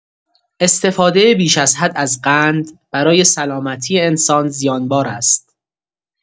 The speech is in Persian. استفاده بیش از حد از قند برای سلامتی انسان زیانبار است.